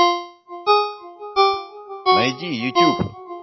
найди ютуб